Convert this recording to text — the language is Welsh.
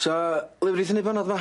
Sa lefrith i neud panad 'ma?